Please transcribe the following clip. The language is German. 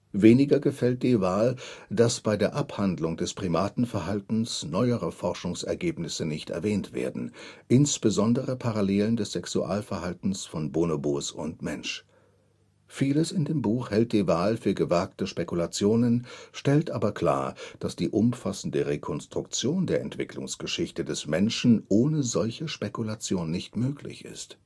Weniger gefällt de Waal, dass bei der Abhandlung des Primatenverhaltens neuere Forschungsergebnisse nicht erwähnt werden, insbesondere Parallelen des Sexualverhaltens von Bonobos und Mensch. Vieles in dem Buch hält de Waal für gewagte Spekulationen, stellt aber klar, dass die umfassende Rekonstruktion der Entwicklungsgeschichte des Menschen ohne solche Spekulation nicht möglich ist